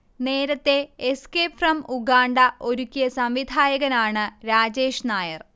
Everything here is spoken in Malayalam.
നേരത്തെ 'എസ്കേപ്പ് ഫ്രം ഉഗാണ്ട' ഒരുക്കിയ സംവിധായകനാണ് രാജേഷ്നായർ